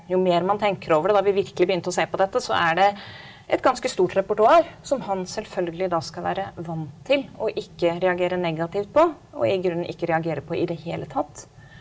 jo mer man tenker over det da vi virkelig begynte å se på dette, så er det et ganske stort repertoar som han selvfølgelig da skal være vant til og ikke reagere negativt på, og i grunnen ikke reagere på i det hele tatt.